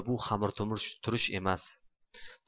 bu xamirturush emas